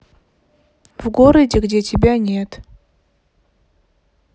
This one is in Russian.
в городе где нет тебя